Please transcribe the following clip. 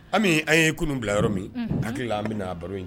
Ami, an ye kunun bila yɔrɔ min. Unhun! hakili la, an bɛna baro in